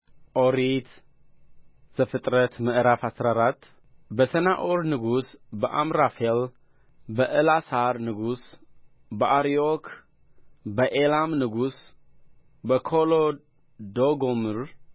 ኦሪት ዘፍጥረት ምዕራፍ አስራ አራት በሰናዖር ንጉሥ በአምራፌል በእላሳር ንጉሥ በአርዮክ በኤላም ንጉሥ በኮሎዶጎምር